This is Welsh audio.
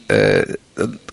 yy y yy